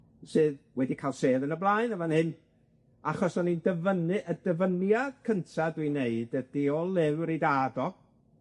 ###sydd wedi ca'l sedd yn y blaen yn fan hyn, achos o'n i'n dyfynnu y dyfyniad cynta dwi'n neud ydi o lyfr 'i dad o...